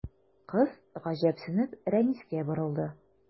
Кыз, гаҗәпсенеп, Рәнискә борылды.